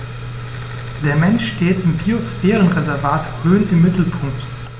Der Mensch steht im Biosphärenreservat Rhön im Mittelpunkt.